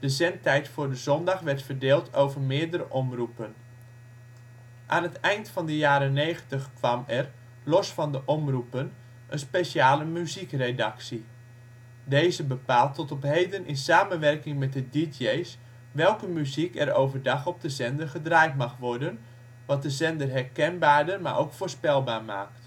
zendtijd voor de zondag werd verdeeld over meerdere omroepen. Aan het eind van de jaren negentig kwam er, los van de omroepen, een speciale muziekredactie. Deze bepaalt tot op heden in samenwerking met de dj 's welke muziek er overdag op de zender gedraaid mag worden, wat de zender herkenbaarder, maar ook voorspelbaar maakt